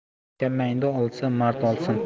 kallangni olsa mard olsin